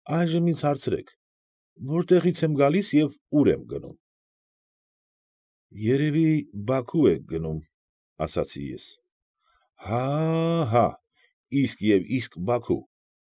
Այժմ ինձ հարցրեք, որտեղի՞ց եմ գալիս և ո՞ւր եմ գնում։ ֊ Երևի Բաքու եք գնում,֊ ասացի ես։ ֊ Հաա՜, հա՜, իսկ և իսկ Բաքու։